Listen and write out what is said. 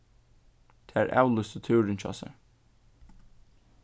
tær avlýstu túrin hjá sær